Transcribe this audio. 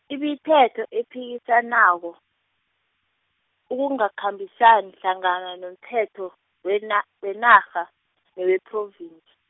imithetho ephikisanako, ukungakhambisani hlangana nomthetho, wena- wenarha , newePhrovinsi.